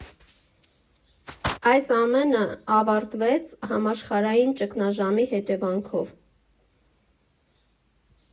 Այս ամենն ավարտվեց համաշխարհային ճգնաժամի հետևանքով։